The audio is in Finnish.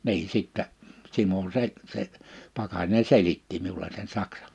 niin sitten Simo se se Pakarinen selitti minulle sen saksan